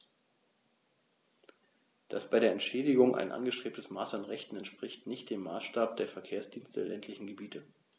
Das bei der Entschädigung angestrebte Maß an Rechten entspricht nicht dem Maßstab der Verkehrsdienste der ländlichen Gebiete.